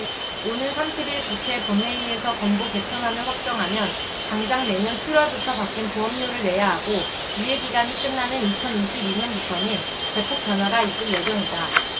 오는 삼십 일 국회 본회의에서 건보 개편안을 확정하면 당장 내년 칠 월부터 바뀐 보험료를 내야 하고 유예 기간이 끝나는 이천 이십 이 년부터는 대폭 변화가 있을 예정이다